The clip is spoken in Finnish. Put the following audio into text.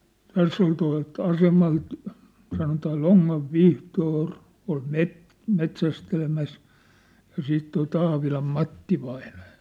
tässä oli tuolta asemalta sanotaan Lonnan Vihtori oli - metsästämässä ja sitten tuo Taavilan Matti vainaja